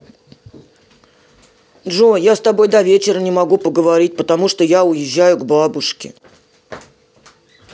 джой я с тобой до вечера не могу поговорить потому что я уезжаю к бабушке